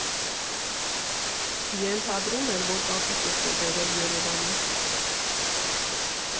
Ենթադրում էր, որ պապիկս էր բերել Երևանից։